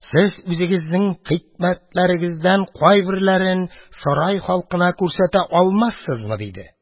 Сез үзегезнең хикмәтләрегездән кайберләрен сарай халкына күрсәтә алмассызмы? – диде.